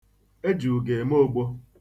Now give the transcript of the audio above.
E ji ụga eme ogbo.